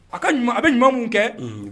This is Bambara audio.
A ka ɲumanw ,a bɛ ɲumanw kɛ